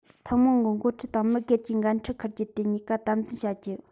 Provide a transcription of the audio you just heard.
ཐུན མོང གི འགོ ཁྲིད དང མི སྒེར གྱིས འགན འཁྲི འཁུར རྒྱུ དེ གཉིས ཀ དམ འཛིན བྱ རྒྱུ